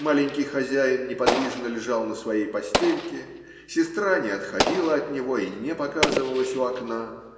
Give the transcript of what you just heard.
маленький хозяин неподвижно лежал на своей постельке, сестра не отходила от него и не показывалась у окна.